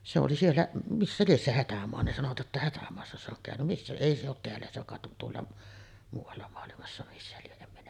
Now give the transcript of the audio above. se oli siellä missä lie se Hätämaa ne sanoivat jotta Hätämaassa se on käynyt missä ei se ole täällä se kai on tuolla muualla maailmassa missä lie en minä